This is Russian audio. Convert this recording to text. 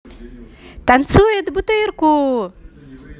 танцует бутырку